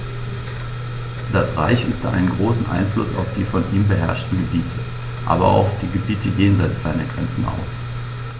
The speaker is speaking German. Das Reich übte einen großen Einfluss auf die von ihm beherrschten Gebiete, aber auch auf die Gebiete jenseits seiner Grenzen aus.